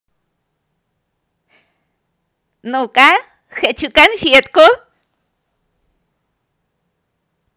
ну ка хочу конфетку